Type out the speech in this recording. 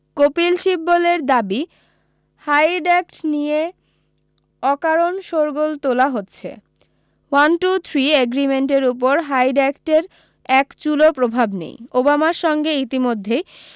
কপিল সিব্বলের দাবি Hyde Act নিয়ে অকারণ শোরগোল তোলা হচ্ছে ওয়ানটুথ্রি এগ্রিমেন্টের উপর হাইড অ্যাক্টের এক চুলও প্রভাব নেই ওবামার সঙ্গে ইতিমধ্যেই